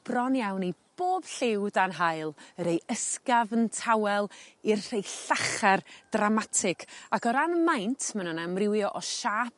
bron iawn i bob lliw dan haul y rei ysgafn tawel i'r rhei llachar dramatig ac o ran maint ma' nw'n amrywio o siâp